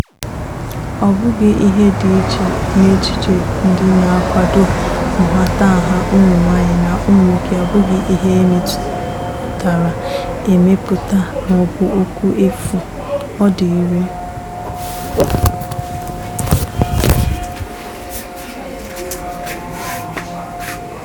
Ọ bụghị ihe dị n'echiche ndị na-akwado nhatanha ụmụ nwaanyị na ụmụ nwoke, ọ bụghị ihe e mepụtara emepụta ma ọ bụ okwu efu: Ọ DỊ IRE!